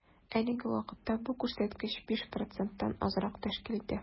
Әлеге вакытта бу күрсәткеч 5 проценттан азрак тәшкил итә.